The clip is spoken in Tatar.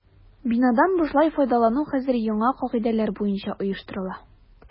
Бинадан бушлай файдалану хәзер яңа кагыйдәләр буенча оештырыла.